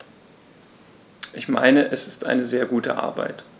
Ich meine, es ist eine sehr gute Arbeit.